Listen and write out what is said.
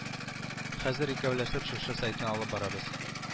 Хәзер икәүләшеп шушы сайтны алып барабыз